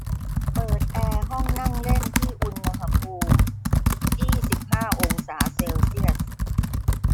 เปิดแอร์ห้องนั่งเล่นที่อุณหภูมิยี่สิบห้าองศาเซลเซียส